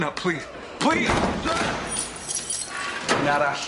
Na plî- plîs sir! Un arall.